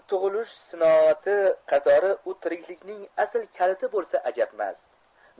tug'ilish sinoati qatori u tiriklikning asl kaliti bo'isa ajabmas